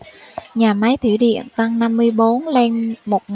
nhà máy thủy điện tăng năm mươi bốn lên một